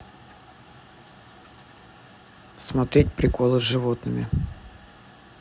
смотреть приколы с животными